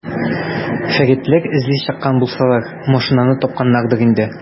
Фәритләр эзли чыккан булсалар, машинаны тапканнардыр инде.